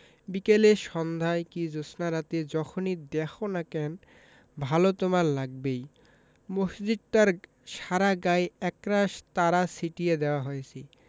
বিকেলে সন্ধায় কি জ্যোৎস্নারাতে যখনি দ্যাখো না কেন ভালো তোমার লাগবেই মসজিদটার সারা গায়ে একরাশ তারা ছিটিয়ে দেয়া হয়েছে